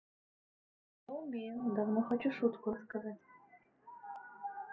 а я умею давно хочу шутку рассказать